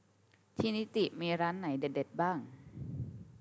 ที่นิติมีร้านไหนเด็ดเด็ดบ้าง